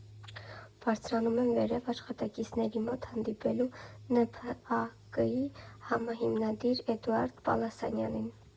Բարձրանում եմ վերև՝ աշխատակիցների մոտ, հանդիպելու ՆՓԱԿ֊ի համահիմնադիր Էդուարդ Պալասանյանին։